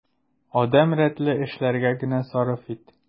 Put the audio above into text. Адәм рәтле эшләргә генә сарыф ит.